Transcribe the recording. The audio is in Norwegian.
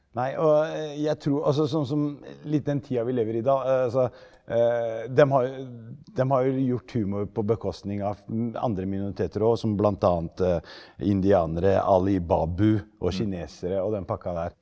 nei og jeg tror altså sånn som litt den tida vi lever i i dag altså dem har jo dem har jo gjort humor på bekostning av andre minoriteter og som bl.a. indianere, Ali Babu og kinesere og den pakka der.